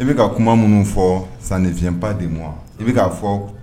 i bɛ ka kuma minnu fɔ sannifiba di ma i bɛ fɔ